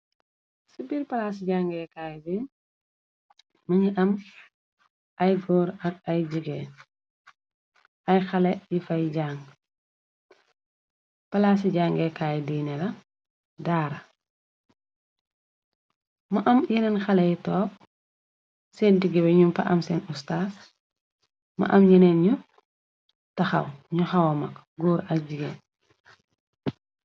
Ci biir palaa ci jangeekaay bi mi ngi am ay xe yi fay jàng palaa ci jangeekaay diiné la daara mu am yeneen xaley topp seen digg be ñu pa am seen ustas ma am yeneen ñu taxaw ñu xawa mag góor ak jigeen.